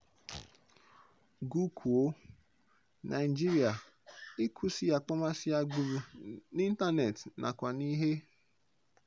Gụ kwuo: Naịjirịa: Ịkwụsị akpọmasị agbụrụ — n'ịntaneetị nakwa n'ihe